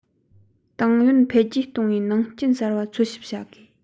ཏང ཡོན འཕེལ རྒྱས གཏོང བའི ནང རྐྱེན གསར པ འཚོལ ཞིབ བྱ དགོས